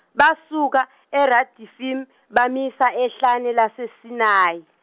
basuka eRadifim- bamisa ehlane laseSinayi.